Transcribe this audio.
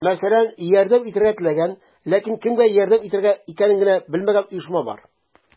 Мәсәлән, ярдәм итәргә теләгән, ләкин кемгә ярдәм итергә икәнен генә белмәгән оешма бар.